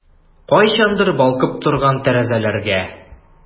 Кайчандыр балкып торган тәрәзәләргә...